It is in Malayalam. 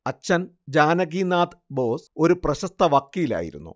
അച്ഛൻ ജാനകിനാഥ് ബോസ് ഒരു പ്രശസ്ത വക്കീലായിരുന്നു